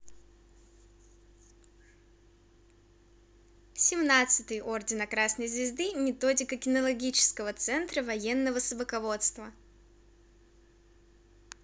семнадцатый ордена красной звезды методика кинологического центра военного собаководства